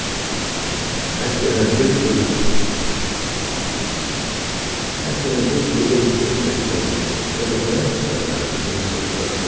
hetta er ein drúgvur hetta er ein drúgvur dungi segði konan er tað tað svaraði maðurin og hugdi eftir øllum